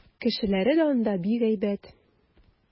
Кешеләре дә анда бик әйбәт.